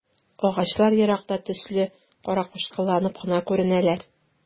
Агачлар еракта төсле каракучкылланып кына күренәләр.